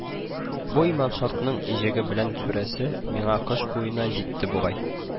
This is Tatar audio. Бу "Иман шарт"ының иҗеге белән сүрәсе миңа кыш буена җитте бугай